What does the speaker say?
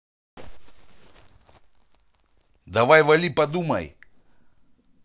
давай вали подумай